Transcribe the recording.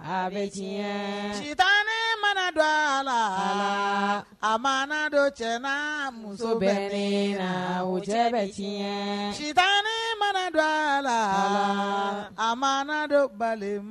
A bɛ sita mana dɔ a la a ma dɔ cɛ muso bɛ la o cɛ bɛ suta ne mana don a la a ma don bali